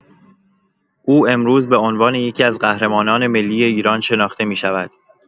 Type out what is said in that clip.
او امروز به عنوان یکی‌از قهرمانان ملی ایران شناخته می‌شود.